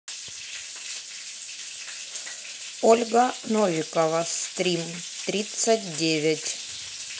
ольга новикова стрим тридцать девять